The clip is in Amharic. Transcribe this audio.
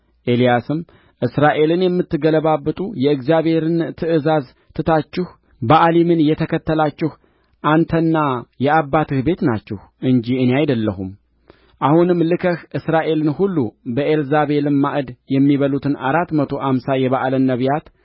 ኤልያስም እስራኤልን የምትገለባብጡ የእግዚአብሔርን ትእዛዝ ትታችሁ በኣሊምን የተከተላችሁ አንተና የአባትህ ቤት ናችሁ እንጂ እኔ አይደለሁም አሁንም ልከህ እስራኤልን ሁሉ በኤልዛቤልም ማዕድ የሚበሉትን አራት መቶ አምሳ የበኣልን ነቢያት